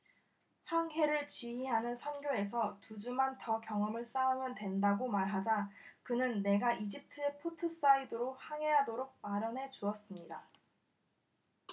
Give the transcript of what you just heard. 항해를 지휘하는 선교에서 두 주만 더 경험을 쌓으면 된다고 말하자 그는 내가 이집트의 포트사이드로 항해하도록 마련해 주었습니다